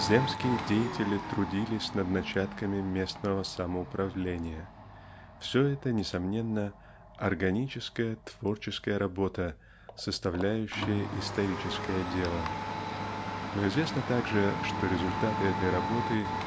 земские деятели трудились над начатками местного самоуправления. Все это несомненно органическая творческая работа составляющая историческое дело. Но известно также что результаты этой работы